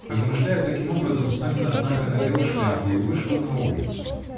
Размышляя таким образом, Санин, однако, надел шляпу и вышел на улицу